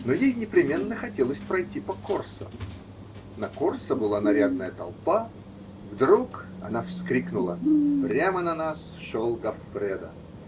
Но ей непременно хотелось пройти по Корсо. На Корсо была нарядная толпа. Вдруг она вскрикнула. Прямо на нас шел Гоффредо